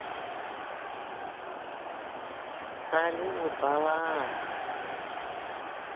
салют балан